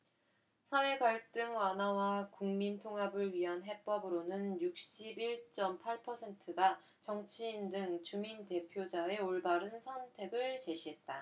사회갈등 완화와 국민통합을 위한 해법으로는 육십 일 쩜 팔 퍼센트가 정치인 등 주민대표자의 올바른 선택을 제시했다